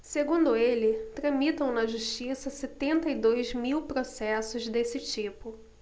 segundo ele tramitam na justiça setenta e dois mil processos desse tipo